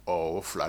Ɔ o fila